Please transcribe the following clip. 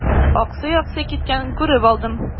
Аксый-аксый киткәнен күреп калдым.